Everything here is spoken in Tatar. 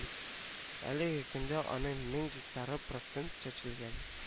Әлеге көндә аның мең гектары процент чәчелгән